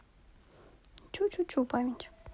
чучучу память